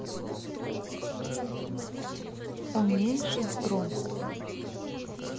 уменьшить громкость